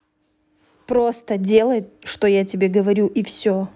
просто делай что я тебе говорю и все